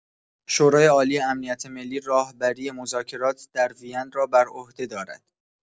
شورای‌عالی امنیت ملی، راهبری مذاکرات در وین را بر عهده دارد.